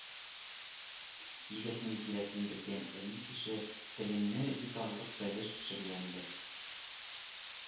Егетнең киләсен белгән әни кеше телеңне йотарлык бәлеш пешергән иде